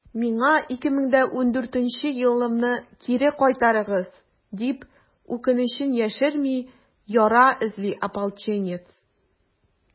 «миңа 2014 елымны кире кайтарыгыз!» - дип, үкенечен яшерми яра эзле ополченец.